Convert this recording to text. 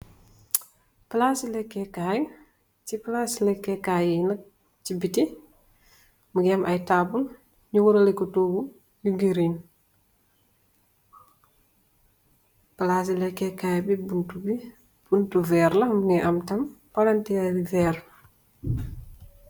Palasi leekeh kai! Si palasi leekeh kai yi nak si mbeeti mugi amm ay taabul nyu woreleko toogu yu green, palasi leekeh kai bi mbuntu bi, mbuntu veera mugi amm tamit paranteŕri veer.